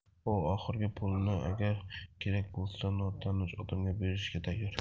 u oxirgi pulini agar kerak bo'lsa notanish odamga berishga tayyor